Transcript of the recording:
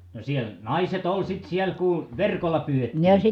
no siellä naiset oli sitten siellä kun verkolla pyydettiin